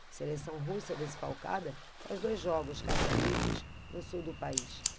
seleção russa desfalcada faz dois jogos caça-níqueis no sul do país